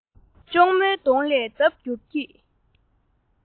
གཅུང མོའི གདོང ལས ལྡབ འགྱུར གྱིས